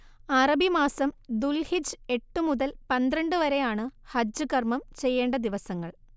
അറബിമാസം ദുൽഹിജ്ജ് എട്ട് മുതൽ പന്ത്രണ്ട് വരെയാണ് ഹജ്ജ് കർമ്മം ചെയ്യേണ്ട ദിവസങ്ങൾ